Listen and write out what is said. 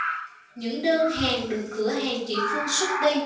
những đơn hàng được cửa hàng chị phương xuất đi